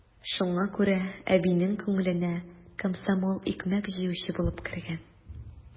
Шуңа күрә әбинең күңеленә комсомол икмәк җыючы булып кергән.